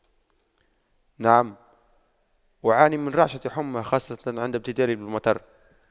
نعم أعاني من رعشة حمى خاصة عند ابتلالي بالمطر